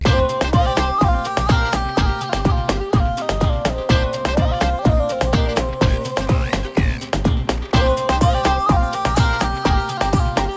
music